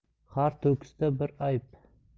har to'kisda bir ayb